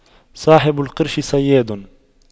صاحب القرش صياد